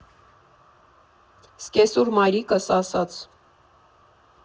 Սկեսուր մայրիկս ասաց.